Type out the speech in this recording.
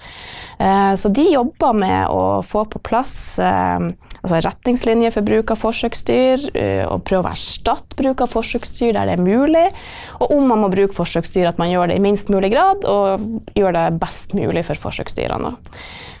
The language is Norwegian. så de jobber med å få på plass altså retningslinjer for bruk av forsøksdyr og prøver å erstatte bruk av forsøksdyr der det er mulig, og om man må bruke forsøksdyr at man gjør det i minst mulig grad og gjør det best mulig for forsøksdyra da.